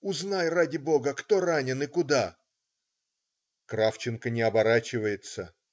- Узнай, ради Бога, кто ранен и куда!" Кравченко не оборачивается.